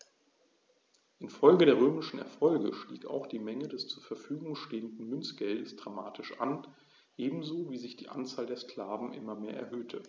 Infolge der römischen Erfolge stieg auch die Menge des zur Verfügung stehenden Münzgeldes dramatisch an, ebenso wie sich die Anzahl der Sklaven immer mehr erhöhte.